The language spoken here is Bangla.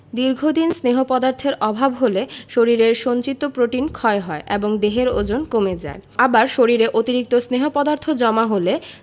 দীর্ঘদিন স্নেহ পদার্থের অভাব হলে শরীরের সঞ্চিত প্রোটিন ক্ষয় হয় এবং দেহের ওজন কমে যায় আবার শরীরে অতিরিক্ত স্নেহ পদার্থ জমা হলে